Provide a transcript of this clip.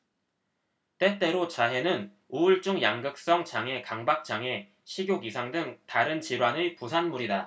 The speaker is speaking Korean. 때때로 자해는 우울증 양극성 장애 강박 장애 식욕 이상 등 다른 질환의 부산물이다